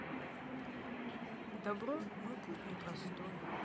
dabro мой путь непростой